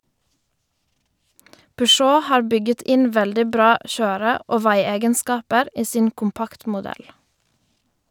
Peugeot har bygget inn veldig bra kjøre- og veiegenskaper i sin kompaktmodell.